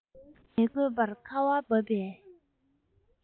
མི དགོས པར ཁ བ འབབ པའི